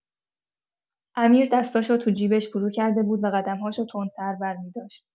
امیر دستاشو تو جیبش فروکرده بود و قدم‌هاشو تندتر برمی‌داشت.